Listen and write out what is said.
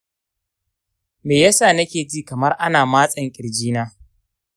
me ya sa nake jin kamar ana matsen kirjina?